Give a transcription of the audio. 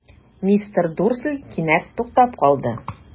Мистер Дурсль кинәт туктап калды.